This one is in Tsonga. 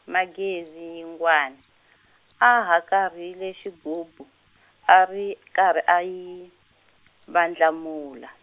Magezi Yingwani, a hakarhile xigubu, a ri karhi a yi, vandlamula.